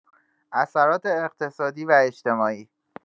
اثرات اقتصادی و اجتماعی